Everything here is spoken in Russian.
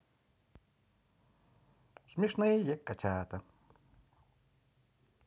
смешные котята